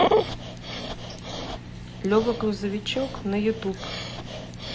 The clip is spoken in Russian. лева грузовичок на ютуб